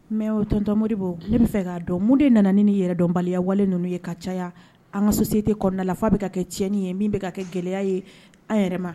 Mais tonton Modibo ne bɛ fɛ k'a dɔn mun de nana ni yɛrɛdɔnbaliya wale ninnu ye ka caya an ka société kɔnɔna na f'a bɛ ka kɛ tiɲɛni ye min bɛ ka kɛ gɛlɛya ye an yɛrɛ ma